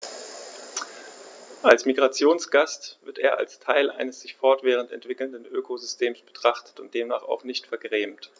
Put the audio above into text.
Als Migrationsgast wird er als Teil eines sich fortwährend entwickelnden Ökosystems betrachtet und demnach auch nicht vergrämt.